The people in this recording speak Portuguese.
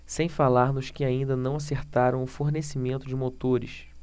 sem falar nos que ainda não acertaram o fornecimento de motores